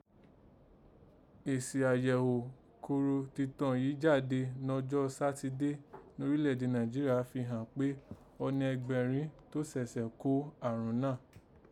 Èsì àyẹ̀ghò kòró titọn yìí jáde nọjọ́ sátidé norílẹ̀èdè Nàìjíríà fi hàn pé ọnẹ ẹgbẹ́rin tọ́n sẹ̀sẹ̀ kò àrùn náà